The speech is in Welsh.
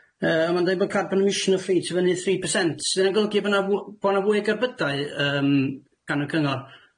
Yy, a ma'n deud bo' carbon emission of fleet fyny three percent. 'Di hynna'n golygu bo' 'na fw- bo' 'na fwy o gerbydau yym gan y cyngor?